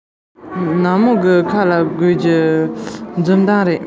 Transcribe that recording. སྐད དེ ཐོས པ ན ཧ ཧ ཞེས